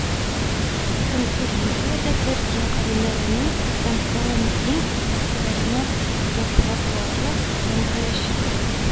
Конференциядә Төркия галимнәренең һәм Кырым дин әһелләренең докладлары яңгырыячак